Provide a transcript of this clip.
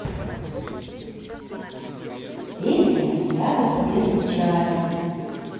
песня я по тебе скучаю